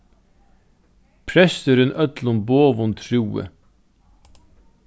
presturin øllum boðum trúði